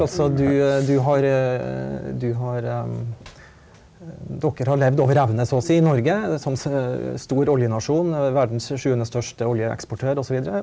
altså du du har du har dere har levd over evne så å si i Norge som stor oljenasjon verdens sjuende største oljeeksportør og så videre.